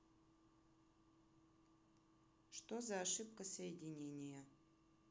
что за ошибка соединения